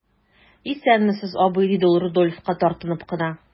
Исәнмесез, абый,– диде ул Рудольфка, тартынып кына.